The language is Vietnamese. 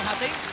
tĩnh